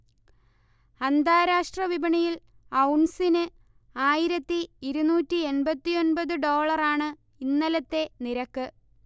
അന്താരാഷ്ര്ട വിപണിയിൽ ഔൺസിന് ആയിരത്തി ഇരുന്നൂറ്റി എൺപത്തിഒന്പതു ഡോളറാണ് ഇന്നലത്തെ നിരക്ക്